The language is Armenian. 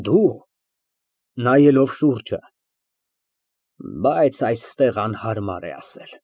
Դու… (Նայելով շուրջը)։ Բայց այստեղ անհարմար է ասել։